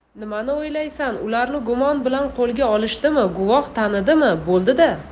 nimani o'ylaysan ularni gumon bilan qo'lga olishdimi guvoh tanidimi bo'ldi da